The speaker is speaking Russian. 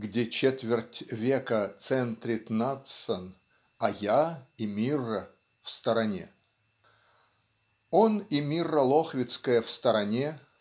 Где четверть века центрит Надсон А я и Мирра в стороне. Он и Мирра Лохвицкая в стороне